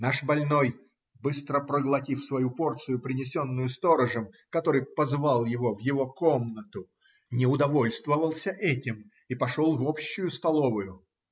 Наш больной, быстро проглотив свою порцию, принесенную сторожем, который позвал его в его комнату, не удовольствовался этим и пошел в общую столовую.